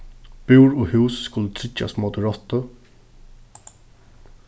búr og hús skulu tryggjast móti rottu